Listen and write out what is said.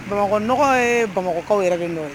Bamakɔɔgɔ ye bamakɔkaw yɛrɛ de don